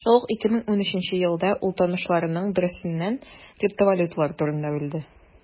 Шул ук 2013 елда ул танышларының берсеннән криптовалюталар турында белде.